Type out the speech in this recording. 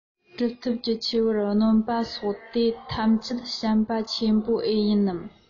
གྲུབ ཐོབ ཀྱི ཆེ བར གནོད པ སོགས དེ ཐམས ཅད བྱས པ ཆེན པོ ཨེ ཡིན ནམ